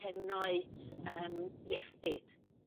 henoet yym iechyd.